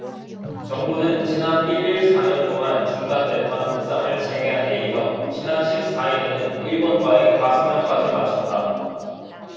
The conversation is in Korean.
정부는 지난 일 일 사 년 동안 중단됐던 협상을 재개한 데 이어 지난 십 사 일에는 일본과의 가서명까지 마쳤다